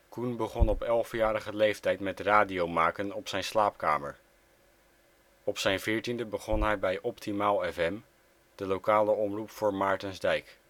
Coen begon op 11-jarige leeftijd met radiomaken op zijn slaapkamer. Op zijn 14e begon hij bij Optimaal FM, de lokale omroep voor Maartensdijk